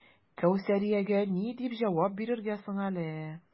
Кәүсәриягә ни дип җавап бирергә соң әле?